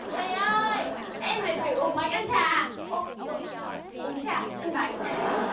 thầy ơi em mời thầy uống bánh ăn trà ô lộn à uống trà ăn bánh